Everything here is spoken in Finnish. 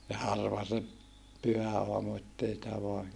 ja harva se pyhäaamu että ei sitä vain